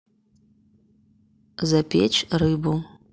запечь рыбу